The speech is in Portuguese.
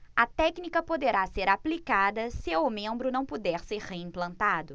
a técnica poderá ser aplicada se o membro não puder ser reimplantado